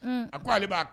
Un a ko ale b'a